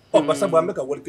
Ɔ Masaba ne ka wari